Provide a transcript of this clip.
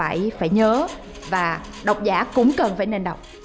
phải phải nhớ và độc giả cũng cần phải nên đọc